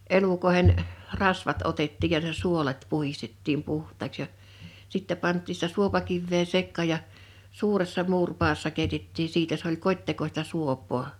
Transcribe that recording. elukoiden rasvat otettiin ja ne suolet puhdistettiin puhtaaksi ja sitten pantiin sitä suopakiveä sekaan ja suuressa muuripadassa keitettiin siitä se oli kotitekoista suopaa